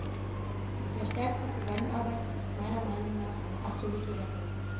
Die verstärkte Zusammenarbeit ist meiner Meinung nach eine absolute Sackgasse.